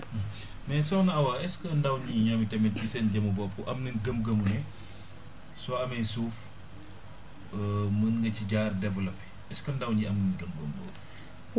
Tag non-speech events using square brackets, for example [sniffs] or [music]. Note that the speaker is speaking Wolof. [hesitation] [breath] mais Sokhna Awa est ce que ndaw ñi ñoom iatami [sniffs] ci seen jëmmi bopp am nañ gëm-gëm ne soo amee suuf [hesitation] mun nga ci jaar développé est ce ndaw ñi am nañ gëm-gëm boobu